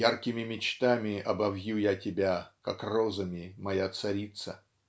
яркими мечтами обовью я тебя, как розами, моя царица",